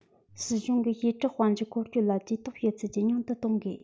སྲིད གཞུང གིས བྱེ བྲག དཔལ འབྱོར འཁོར སྐྱོད ལ ཇུས གཏོགས བྱེད ཚུལ ཇེ ཉུང དུ གཏོང དགོས